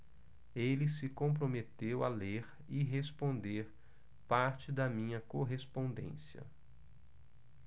ele se comprometeu a ler e responder parte da minha correspondência